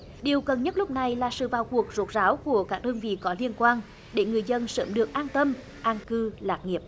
điều cần nhất lúc này là sự vào cuộc rốt ráo của các đơn vị có liên quan để người dân sớm được an tâm an cư lạc nghiệp